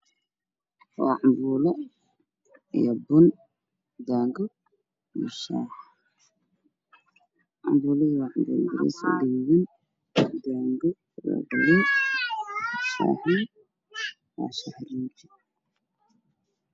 Waa cambuulo iyo buun daango iyo shaaxcambulada waa cambulo bariis oo gaduudan dango shaxa waa shax rinji